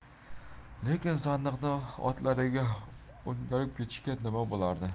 lekin sandiqni otlariga o'ngarib ketishsa nima bo'lardi